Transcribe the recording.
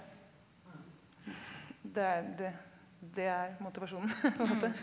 det er det er motivasjonen på en måte .